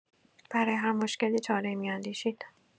برای هر مشکلی چاره‌ای می‌اندیشید.